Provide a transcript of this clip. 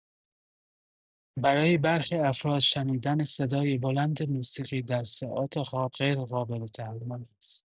برای برخی افراد، شنیدن صدای بلند موسیقی در ساعات خواب غیرقابل‌تحمل است.